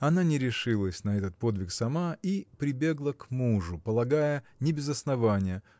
Она не решилась на этот подвиг сама и прибегла к мужу полагая не без основания